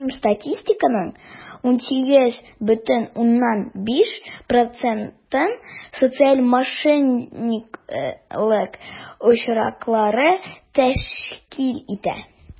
Гомуми статистиканың 18,5 процентын социаль мошенниклык очраклары тәшкил итә.